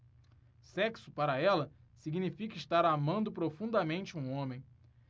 sexo para ela significa estar amando profundamente um homem